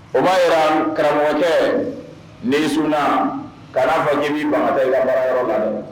O ma jira karamɔgɔcɛ n'i sun na kana fɔ k'i ban ka taa i ka baarayɔrɔ la dɛ.